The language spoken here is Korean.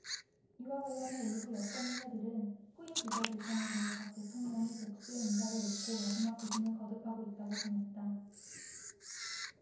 이와 관련해 일부 여권인사들은 후임 비서실장에 대해 박 대통령이 복수의 인사를 놓고 마지막 고심을 거듭하고 있다고 전했다